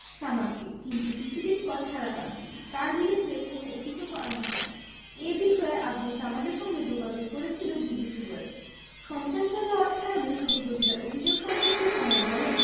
সামাদকে কিন্তু কিছুদিন পর ছাড়া পান তিনি তাঁর বিরুদ্ধে কোনো অভিযোগও আনা হয়নি এ বিষয়ে আবদুল সামাদের সঙ্গে যোগাযোগ করেছিল বিবিসি ওয়েলস সন্ত্রাসবাদে অর্থায়নে সহযোগিতার অভিযোগ সম্পর্কে সামাদ বলেন